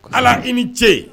Ala i ni ce